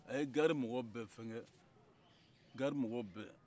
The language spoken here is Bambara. a ye gari mɔgɔ bɛɛ fɛn kɛ gari mɔgɔ bɛɛ